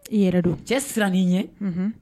I yɛrɛ don cɛ siranin ɲɛ